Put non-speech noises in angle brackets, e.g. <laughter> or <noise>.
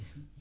<hesitation> <hesitation>